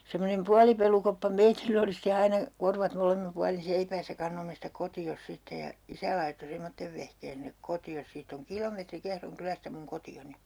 semmoinen puolipelukoppa meillä oli sitten aina korvat molemmin puolin seipäässä kannoimme sitä kotiin sitten ja isä laittoi semmoisen vehkeen sinne kotiin siitä on kilometri Kehron kylästä minun kotiini